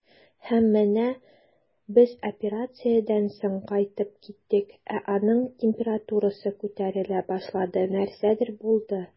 Һәм менә без операциядән соң кайтып киттек, ә аның температурасы күтәрелә башлады, нәрсәдер булды.